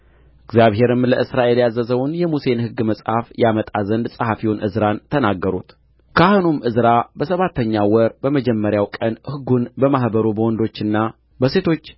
እግዚአብሔርም ለእስራኤል ያዘዘውን የሙሴን ሕግ መጽሐፍ ያመጣ ዘንድ ጸሐፊውን ዕዝራን ተናገሩት ካህኑም ዕዝራ በሰባተኛው ወር በመጀመሪያው ቀን ሕጉን በማኅበሩ በወንዶችና በሴቶች